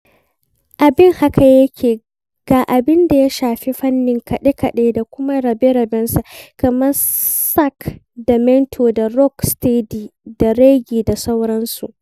Abin haka yake ga abin da ya shafi fannin kaɗe-kaɗe da kuma rabe-rabensa kamar Ska da Mento da Rock Steady da Raggae da sauransu.